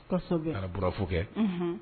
Sa ara bɔra fo kɛ